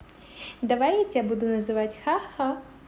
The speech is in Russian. давай я тебя буду называть хаха